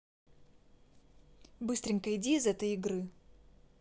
быстренько иди из этой игры